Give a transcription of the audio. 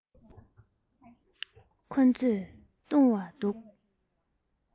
ཁོ ཚོས བཏུང བ འདུག